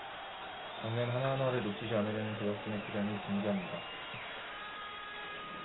장면 하나하나를 놓치지 않으려는 제작진의 표정이 진지합니다